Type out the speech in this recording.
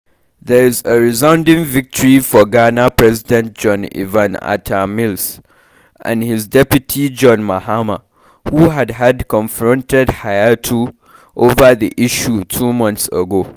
This is a resounding victory for Ghana president John Evans Atta Mills and his deputy John Mahama who had had confronted Hayatou over the issue two months ago.